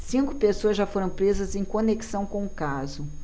cinco pessoas já foram presas em conexão com o caso